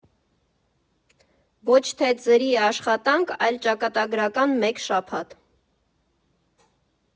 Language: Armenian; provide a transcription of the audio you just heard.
Ոչ թե ձրի աշխատանք, այլ ճակատագրական մեկ շաբաթ.